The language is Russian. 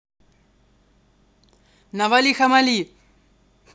навали хамали